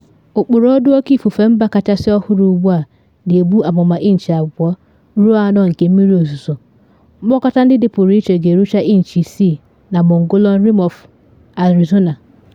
Ụkpụrụ Ọdụ Oke Ifufe Mba kachasị ọhụrụ ugbu a na ebu amụma inchi 2 ruo 4 nke mmiri ozizo, mkpokọta ndị dịpụrụ iche ga-erucha inchi 6 na Mogolllon Rim of Arizona.